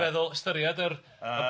feddwl ystyried yr yy